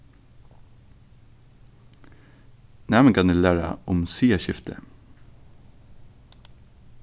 næmingarnir læra um siðaskiftið